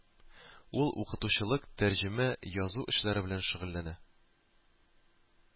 Ул укытучылык, тәрҗемә, язу эшләре белән шөгыльләнә